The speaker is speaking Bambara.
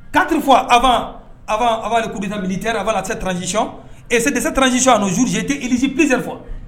Kari fɔ a abililiti a bɛ tranzc ɛ dese tranzsi a nizurusitezsi pse fɔ